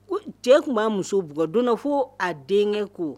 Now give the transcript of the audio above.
Ko Cɛ kun ba muso bugɔ, don dɔ fɔ a dengɛ ko